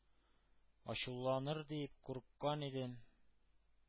Ачуланыр дип курыккан идем,